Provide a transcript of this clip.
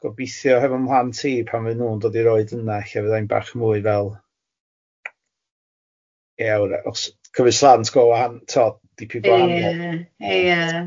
Gobithio hefo mhlant i pan fy nhw'n dod i'r oed yna ella fydda i'n bach mwy fel, ia wr- achos cymryd slant go wan tibod dipyn h-gwahanol... Ia ia ia.